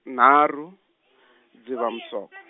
nharhu, Dzivamusoko.